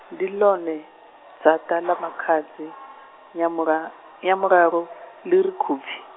ndi ḽone, Dzaṱa ḽa makhadzi, Nyamuḽa-, Nyamuḽalo- ḽi re Khubvi.